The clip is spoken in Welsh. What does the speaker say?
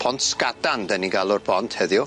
Pontsgadan 'dan ni'n galw'r bont heddiw.